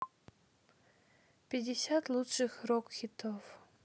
пятьдесят лучших рок хитов